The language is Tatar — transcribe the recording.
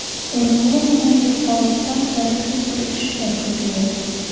Урынлымы мондый халыктан тарихи зур эшләр көтүе?